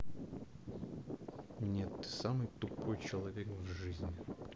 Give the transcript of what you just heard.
нет ты самый тупой человек в жизни